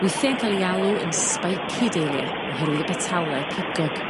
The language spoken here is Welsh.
weithia'n ca'l ei alw yn spiky dahlai oherwydd y betale pigog.